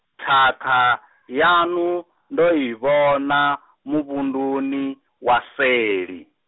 thakha, yaṋu, ndo i vhona, muvhunduni, wa seli.